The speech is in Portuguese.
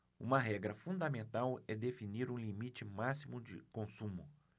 uma regra fundamental é definir um limite máximo de consumo